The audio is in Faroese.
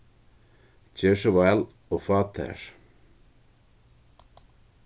ger so væl og fá tær